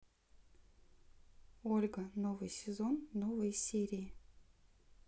ольга новый сезон новые серии